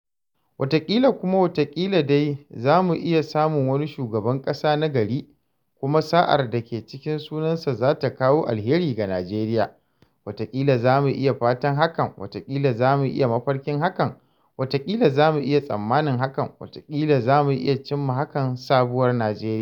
Wataƙila, kuma wataƙila dai, za mu iya samun wani Shugaban ƙasa na gari kuma sa’ar da ke cikin sunansa za ta kawo alheri ga Najeriya, wataƙila, za mu iya fatan hakan, wataƙila, za mu iya mafarkin hakan, wataƙila, za mu iya tsammanin hakan, wataƙila, za mu iya cimma hakan – Sabuwar Najeriya.